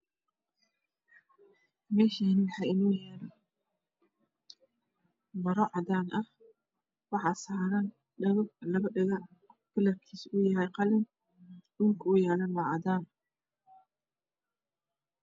Meeshani wax ino yaalo maro cadaan ah waxa saaranan dhago labo dhaga kalarkisu u yahay qalin Dhulka u yalane waa cadaan